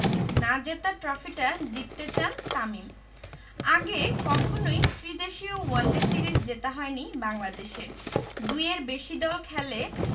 না জেতা ট্রফিটা জিততে চান তামিম আগে কখনোই ত্রিদেশীয় ওয়ানডে সিরিজ জেতা হয়নি বাংলাদেশের দুইয়ের বেশি দল খেলে